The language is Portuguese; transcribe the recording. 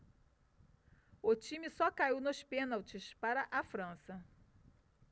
o time só caiu nos pênaltis para a frança